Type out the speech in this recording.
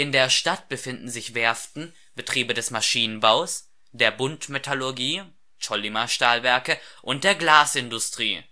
der Stadt befinden sich Werften, Betriebe des Maschinenbaus, der Buntmetallurgie (Ch’ ŏllima Stahlwerke) und der Glasindustrie